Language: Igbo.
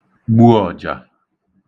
gbu ọ̀jà